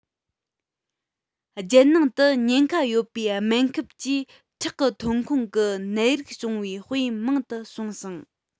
རྒྱལ ནང དུ ཉེན ཁ ཡོད པའི སྨན ཁབ ཀྱིས ཁྲག གི ཐོན ཁུངས གི ནད རིགས བྱུང བའི དཔེ མང དུ བྱུང ཞིང